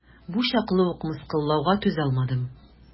Бу чаклы ук мыскыллауга түзалмадым.